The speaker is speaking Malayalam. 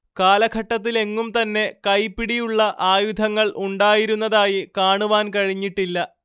കാലഘട്ടത്തിലെങ്ങും തന്നെ കൈപിടിയുള്ള ആയുധങ്ങൾ ഉണ്ടായിരുന്നതായി കാണുവാൻ കഴിഞ്ഞിട്ടില്ല